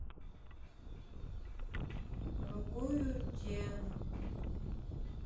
другую тему